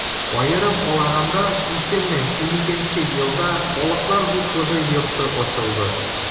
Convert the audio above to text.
Аерым алаганда, 2012 нче елда Халыклар дуслыгы йорты ачылды.